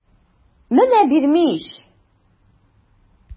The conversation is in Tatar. Менә бирми ич!